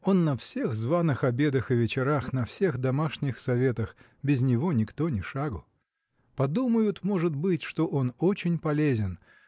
Он на всех званых обедах и вечерах, на всех домашних советах без него никто ни шагу. Подумают может быть что он очень полезен